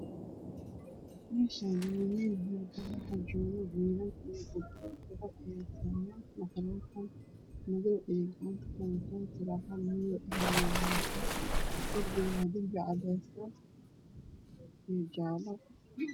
Meeshaani waa meel hool ah waxaa jooga makarofan madow darbiga wa cadays madow iyo jaallo